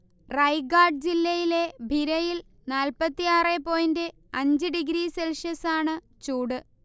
റയ്ഗാഡ് ജില്ലയിലെ ഭിരയിൽ നാല്പത്തിയാറെ പോയിന്റ് അഞ്ചു ഡിഗ്രി സെൽഷ്യസാണ് ചൂട്